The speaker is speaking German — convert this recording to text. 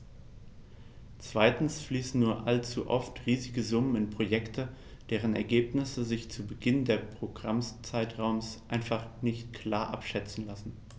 Zweitens fließen nur allzu oft riesige Summen in Projekte, deren Ergebnisse sich zu Beginn des Programmzeitraums einfach noch nicht klar abschätzen lassen.